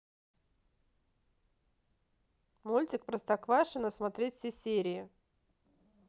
мультик простоквашино смотреть все серии